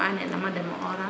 so groupement ne nama demo ora